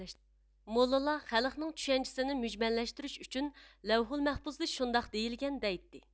موللىلار خەلقنىڭ چۈشەنچىسىنى مۈجمەللەشتۈرۈش ئۈچۈن لەۋھۇلمەھپۇزدا شۇنداق دېيىلگەن دەيتتى